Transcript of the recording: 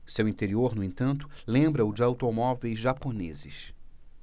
seu interior no entanto lembra o de automóveis japoneses